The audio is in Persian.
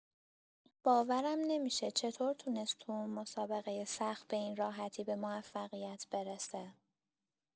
باورم نمی‌شه چطور تونست تو اون مسابقه سخت به این راحتی به موفقیت برسه!